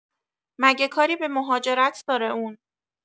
مگه کاری به مهاجرت داره اون؟